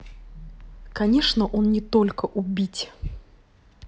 конечно он не только убить